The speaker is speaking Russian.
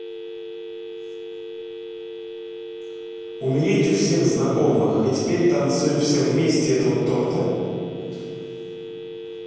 умереть у всех знакомых и теперь танцуем все вместе этого торта